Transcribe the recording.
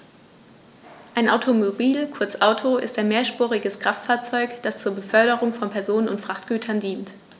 Ein Automobil, kurz Auto, ist ein mehrspuriges Kraftfahrzeug, das zur Beförderung von Personen und Frachtgütern dient.